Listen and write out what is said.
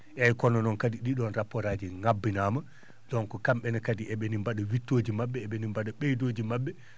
eeyi kono noon kadi ?i ?oon rapport aji ?abbinaama donc kam?e ne kadi e?e ni mba?a wittooji ma??e e?e ne mba?a ?eydooji ma??e